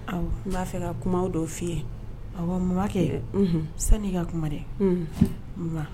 Aw n'a fɛ ka kuma dɔ fiiye aw kumakɛ sani i ka kuma dɛ